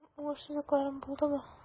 Минем уңышсызлыкларым булдымы?